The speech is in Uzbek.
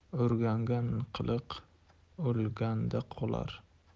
o'rgangan qiliq o'lganda qolar